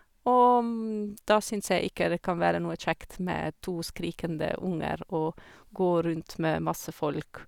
Og da syns jeg ikke det kan være noe kjekt med to skrikende unger å gå rundt med masse folk.